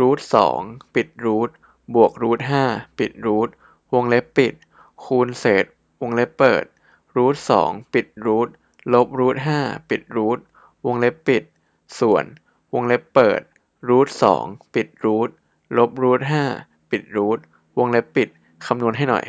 รูทสองปิดรูทบวกรูทห้าปิดรูทวงเล็บปิดคูณเศษวงเล็บเปิดรูทสองปิดรูทลบรูทห้าปิดรูทวงเล็บปิดส่วนวงเล็บเปิดรูทสองปิดรูทลบรูทห้าปิดรูทวงเล็บปิดคำนวณให้หน่อย